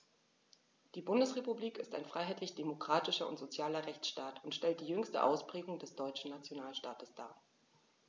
Die Bundesrepublik ist ein freiheitlich-demokratischer und sozialer Rechtsstaat und stellt die jüngste Ausprägung des deutschen Nationalstaates dar.